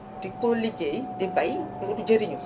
di ko liggéey di bay pour jariñu